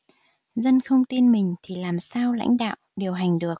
dân không tin mình thì làm sao lãnh đạo điều hành được